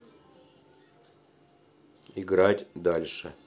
играть дальше